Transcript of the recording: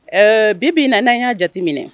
Ɛɛ bi' na n'a y'a jate minɛ